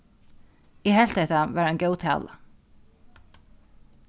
eg helt hetta var ein góð tala